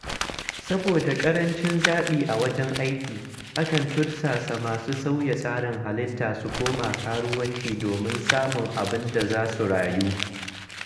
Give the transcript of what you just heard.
Saboda ƙarancin zaɓi a wajen ayyuka, akan tursasa masu sauya tsarin halitta su koma karuwanci domin samun abin da za su rayu.